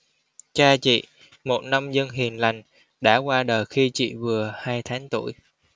cha chị một nông dân hiền lành đã qua đời khi chị vừa hai tháng tuổi